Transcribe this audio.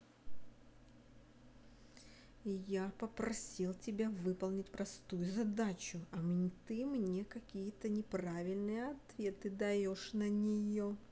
я попросил тебя выполнить простую задачу а ты мне какие то неправильные ответы даешь на нее